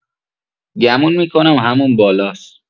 گمون می‌کنم همون بالاس.